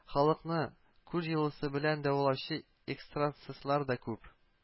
Халыкны кул җылысы белән дәвалаучы экстрасенслар да күп